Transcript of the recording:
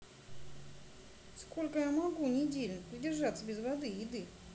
сколько я могу недель продержаться без воды без еды